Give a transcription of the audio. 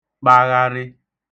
kpagharị